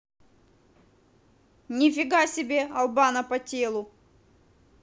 нифига себе албана по телу